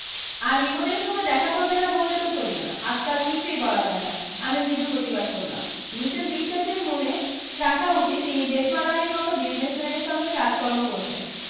আর বিপদের সময় দেখা করবে না বললে তো চলবে না আজকাল কিছুই বলা যায় না আমি মৃদু প্রতিবাদ করলাম মিসেস বিশ্বাসের মনে রাখা উচিত তিনি জেঠমালানির মতো বিজনেসম্যানের সঙ্গে কাজকর্ম করছেন